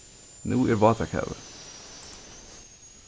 nú er vátakavi